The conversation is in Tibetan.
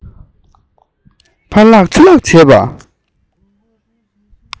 ཕར སློག ཚུར སློག བྱེད པ